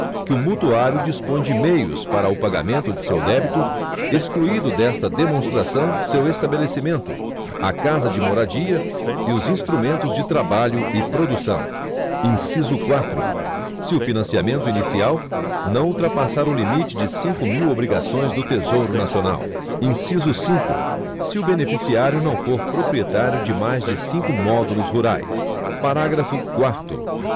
que o mutuário dispõe de meios para o pagamento de seu débito excluído desta demonstração seu estabelecimento a casa de moradia e os instrumentos de trabalho e produção inciso quatro se o financiamento inicial não ultrapassar o limite de cinco mil obrigações do tesouro nacional inciso cinco se o beneficiário não for proprietário de mais de cinco módulos rurais parágrafo quarto